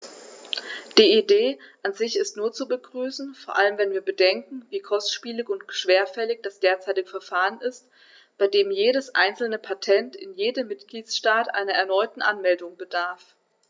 Die Idee an sich ist nur zu begrüßen, vor allem wenn wir bedenken, wie kostspielig und schwerfällig das derzeitige Verfahren ist, bei dem jedes einzelne Patent in jedem Mitgliedstaat einer erneuten Anmeldung bedarf.